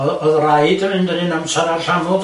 Oedd- oedd raid mynd y r'un amser a'r llanw doedd?